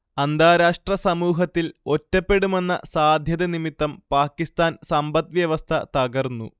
അന്താരാഷ്ട്ര സമൂഹത്തിൽ ഒറ്റപ്പെടുമെന്ന സാധ്യത നിമിത്തം പാകിസ്താൻ സമ്പദ് വ്യവസ്ഥ തകർന്നു